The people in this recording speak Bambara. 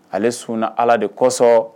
Ale sun ala de kosɔn